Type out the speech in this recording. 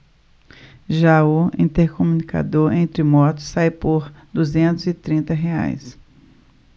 já o intercomunicador entre motos sai por duzentos e trinta reais